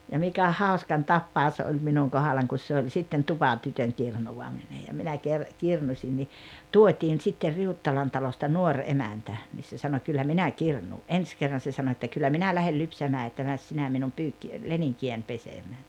ja mikä hauskan tapaus oli minun kohdallani kun se oli sitten tupatytön kirnuaminen ja minä - kirnusin niin tuotiin sitten Riuttalan talosta nuori emäntä niin se sanoi kyllä minä kirnuan ensi kerran se sanoi että kyllä minä lähden lypsämään että mene sinä minun - leninkiäni pesemään